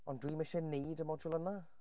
Ond dwi'm isie wneud y modiwl yna.